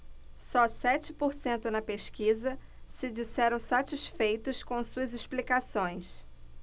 só sete por cento na pesquisa se disseram satisfeitos com suas explicações